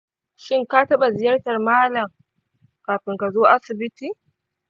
shin ka taɓa ziyartar mallam kafin ka zo asibiti?